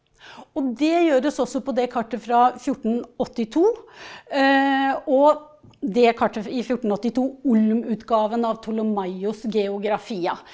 og det gjøres også på det kartet fra 1482 og det kartet i 1482 olm-utgaven av Ptolemaios Geografia.